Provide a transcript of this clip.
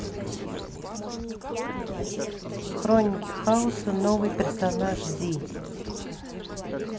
хроники хаоса новый персонаж зи